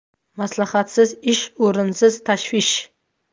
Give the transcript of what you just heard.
maslahatsiz ish o'rinsiz tashvish